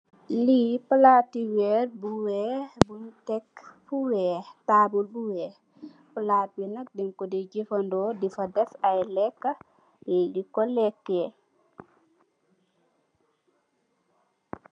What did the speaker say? Li palati weer bu weex bung tek fu weex tabul bu weex palat bi nak den ko dey jëfandeko di fa deff ay leka di ko leeke.